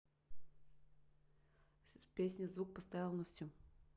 песня звук поставил на всю